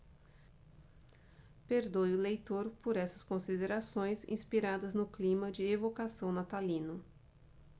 perdoe o leitor por essas considerações inspiradas no clima de evocação natalino